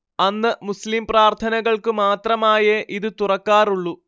അന്ന് മുസ്ലിം പ്രാർത്ഥനകൾക്കു മാത്രമായേ ഇത് തുറക്കാറുള്ളൂ